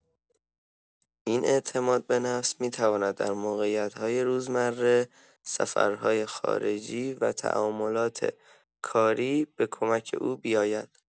این اعتماد به نفس می‌تواند در موقعیت‌های روزمره، سفرهای خارجی و تعاملات کاری به کمک او بیاید.